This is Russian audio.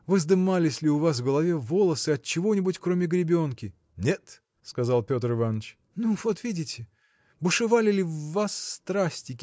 Воздымались ли у вас на голове волосы от чего-нибудь, кроме гребенки? – Нет! – сказал Петр Иваныч. – Ну вот видите. Бушевали ли в вас страсти